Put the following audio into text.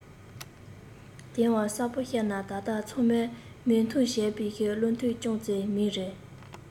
དེའང གསལ པོ བཤད ན ད ལྟ ཚང མས མོས མཐུན བྱས པའི བློ ཐུན ཅང ཙེ མིང རེད